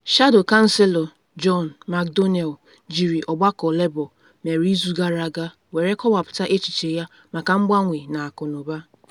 Shadow Chancellor John McDonnell jiri ọgbakọ Labour mere izu gara aga were kọwapụta echiche ya maka mgbanwe na akụnụba.